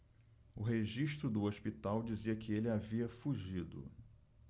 o registro do hospital dizia que ele havia fugido